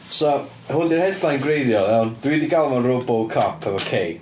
So hwn di'r headline gwreiddiol iawn. Dwi 'di galw fo'n Robocop efo k.